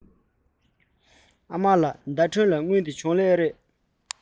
ཨ མ ལགས ཟླ སྒྲོན ལ དངུལ དེ བྱུང སོང ངས